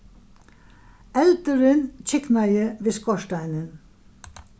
eldurin kyknaði við skorsteinin